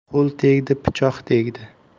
qo'l tegdi pichoq tegdi